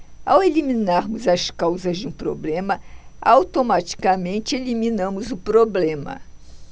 ao eliminarmos as causas de um problema automaticamente eliminamos o problema